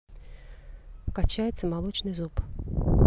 качается молочный зуб